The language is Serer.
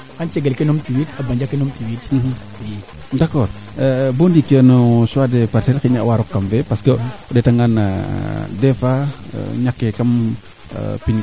qol laana jen na taxar koy maaga geenu kaa parce que waaga njegu kaa mbolna doole fee ngeñ ne maaga laŋ paax ke ngeenu kaa o xaaga xooxa nga xana jeg ndaa o qol le wara jeg ndaxar taxar o buga nga o qol lewo faax fexe yi teen taxar